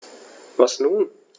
Was nun?